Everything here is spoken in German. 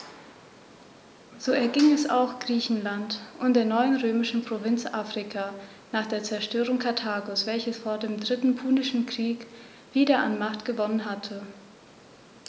So erging es auch Griechenland und der neuen römischen Provinz Afrika nach der Zerstörung Karthagos, welches vor dem Dritten Punischen Krieg wieder an Macht gewonnen hatte.